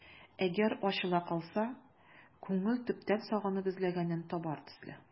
Әгәр ачыла калса, күңел күптән сагынып эзләгәнен табар төсле...